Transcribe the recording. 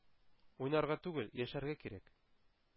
Уйнарга түгел, яшәргә кирәк.